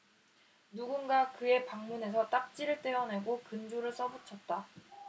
누군가 그의 방문에서 딱지를 떼어내고 근조를 써 붙였다